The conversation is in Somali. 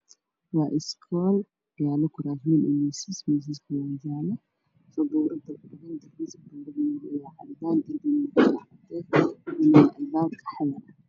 Waa school iyo kuraas iyo miisas